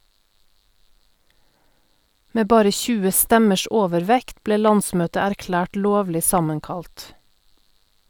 Med bare 20 stemmers overvekt ble landsmøtet erklært lovlig sammenkalt.